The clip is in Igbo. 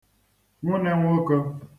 nwụne nwoke